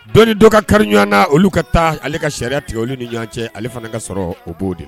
Don dɔw ka kari ɲɔgɔn na olu ka taa ale ka sariya tigɛ olu ni ɲɔgɔn cɛ ale fana ka sɔrɔ o b'o de